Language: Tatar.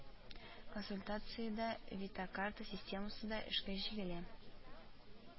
Консультациядә Витакарта системасы да эшкә җигелә